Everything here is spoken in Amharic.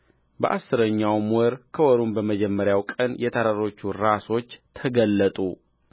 በአሥረኛው ወር ከወሩም በመጀመሪያው ቀን የተራሮቹ ራሶች ተገለጡ